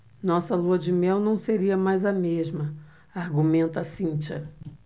nossa lua-de-mel não seria mais a mesma argumenta cíntia